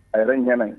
A yɛrɛ ɲana